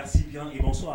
A si jange bonsoir